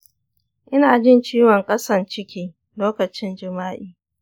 ina jin ciwon ƙasan ciki lokacin jima’i.